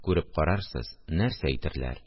Күреп карарсыз, нәрсә әйтерләр